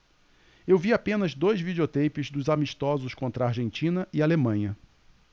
eu vi apenas dois videoteipes dos amistosos contra argentina e alemanha